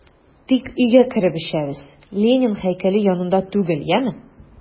Тик өйгә кереп эчәбез, Ленин һәйкәле янында түгел, яме!